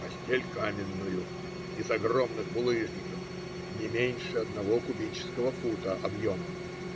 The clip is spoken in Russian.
Постель каменную, из огромных булыжников, не меньше одного кубического фута объемом.